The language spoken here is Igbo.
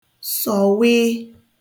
sọ̀wịị